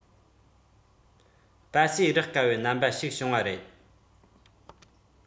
སྤ སེ རག དཀའ བའི རྣམ པ ཞིག བྱུང བ རེད